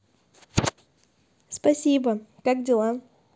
спасибо как дела